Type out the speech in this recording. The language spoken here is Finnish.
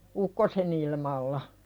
ukkosenilmalla